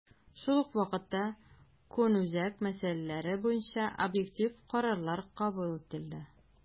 Шул ук вакытта, көнүзәк мәсьәләләр буенча объектив карарлар кабул ителде.